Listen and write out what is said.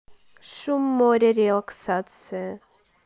шум моря релаксация